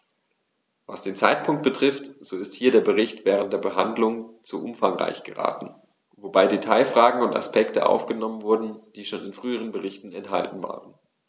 Was den Zeitpunkt betrifft, so ist hier der Bericht während der Behandlung zu umfangreich geraten, wobei Detailfragen und Aspekte aufgenommen wurden, die schon in früheren Berichten enthalten waren.